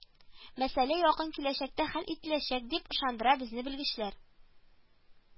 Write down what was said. Мәсьәлә якын киләчәктә хәл ителәчәк, дип ышандыра безне белгечләр